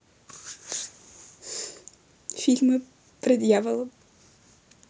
фильмы про дьявола